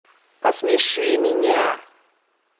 посмеши меня